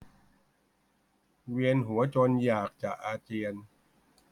เวียนหัวจนอยากจะอาเจียน